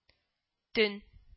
Төн